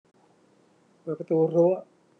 เปิดประตูรั้ว